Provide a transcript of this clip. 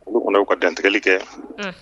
Olu fana u ka dantigɛli kɛ